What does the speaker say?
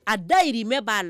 A dayirinmɛ b'a la